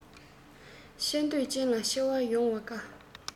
ཆེ འདོད ཅན ལ ཆེ བ ཡོང བ དཀའ